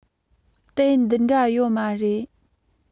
དེབ འདི འདྲ ཡོད མ རེད